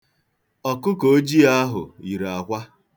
Ọkụkọ ojii ahụ yiri akwa.